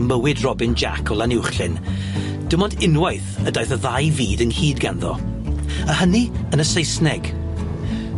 yn mywyd Robin Jac o Lanuwchllyn dim ond unwaith y daeth y ddau fyd ynghyd ganddo, a hynny yn y Saesneg.